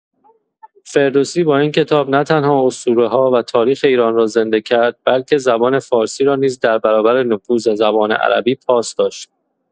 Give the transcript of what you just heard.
فردوسی با این کتاب نه‌تنها اسطوره‌ها و تاریخ ایران را زنده کرد، بلکه زبان فارسی را نیز در برابر نفوذ زبان عربی پاس داشت.